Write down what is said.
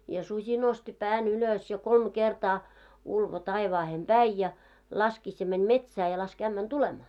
ja susi nosti pään ylös ja kolme kertaa ulvoi taivaaseen päin ja laski ja meni metsään ja laski ämmän tulemaan